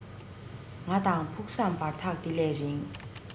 ང དང ཕུགས བསམ བར ཐག དེ ལས རིང